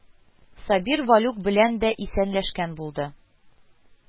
Сабир Вәлүк белән дә исәнләшкән булды